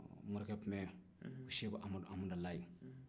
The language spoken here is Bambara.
morikɛ tun bɛ yen seko amadu hamdaye